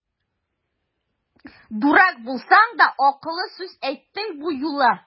Дурак булсаң да, акыллы сүз әйттең бу юлы!